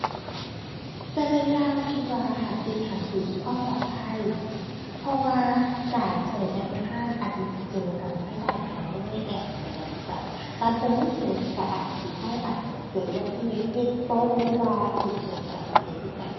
แต่ละอย่างคิดว่า ห้าสิบห้าสิบ ความปลอดภัย เพราะว่าการใช้แอปธนาคารอาจสิใช้โจรกรรมทางด้านการเงินในแอปใช้ได้คือกัน การพกเงินสดใช้อาจสิ ใช้อาจจะเกิดอุบัติเหตุ เฮ็ดตกหรือว่าใช้โจรกรรมใช้ได้คือกัน